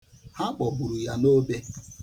Ha kpọburu ya n'obe.